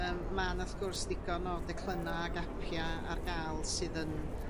yy ma' 'na wrth gwrs ddigon o declynna ag apia ar gael sydd yn